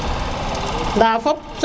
nda fop